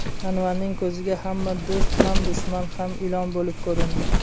anvarning ko'ziga hamma do'st ham dushman ham ilon bo'lib ko'rindi